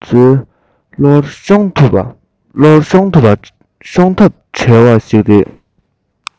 ང ཚོའི བློར ཤོང ཐབས བྲལ བ ཞིག རེད